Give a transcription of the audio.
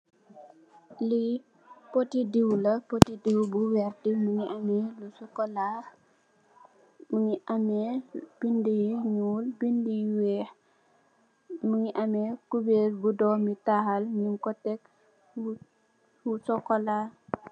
Li poti dew la poti dew bu werta mongi ame lu cxocola mongi ame bindi yu nuul mongi ame bindi yu weex mongi ame cuberr bu domitaal nyun ko tex fu fu cxocola.